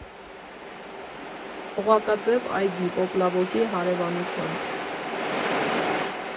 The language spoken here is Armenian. Օղակաձև այգի (Պոպլավոկի հարևանությամբ)